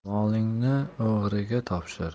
molingni o'g'riga topshir